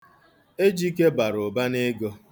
Ejike bara ụba n'ego.